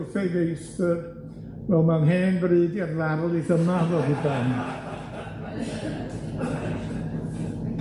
wrth ei feistyr, wel ma'n hen bryd i'r ddarlith yma ddod i ben.